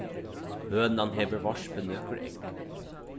hønan hevur vorpið nøkur egg